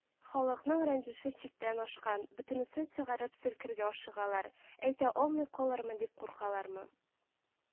Халыкның рәнҗеше чиктән ашкан, бөтенесен чыгарып селкергә ашыгалар, әйтә алмый калырмын дип куркалармы